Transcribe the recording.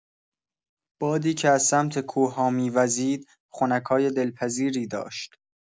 بادی که از سمت کوه‌ها می‌وزید، خنکای دلپذیری داشت.